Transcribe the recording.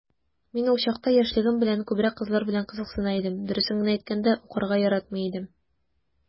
Мин ул чакта, яшьлегем белән, күбрәк кызлар белән кызыксына идем, дөресен генә әйткәндә, укырга яратмый идем...